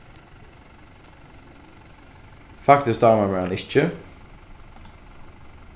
faktiskt dámar mær hann ikki